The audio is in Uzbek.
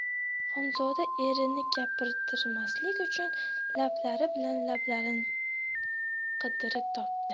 xonzoda erini gapirtirmaslik uchun lablari bilan lablarini qidirib topdi